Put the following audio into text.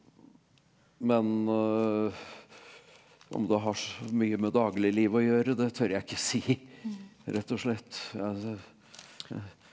men om det har så mye med dagliglivet å gjøre det tør jeg ikke si rett og slett ja så.